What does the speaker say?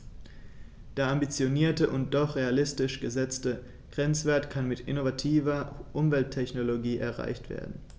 Der ambitionierte und doch realistisch gesetzte Grenzwert kann mit innovativer Umwelttechnologie erreicht werden.